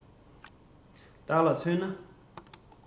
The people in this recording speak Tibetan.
བདག ལ མཚོན ན